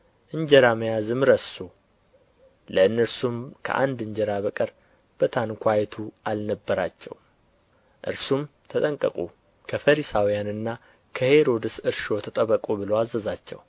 እንጀራ መያዝም ረሱ ለእነርሱም ከአንድ እንጀራ በቀር በታንኳይቱ አልነበራቸውም እርሱም ተጠንቀቁ ከፈሪሳውያንና ከሄሮድስ እርሾ ተጠበቁ ብሎ አዘዛቸው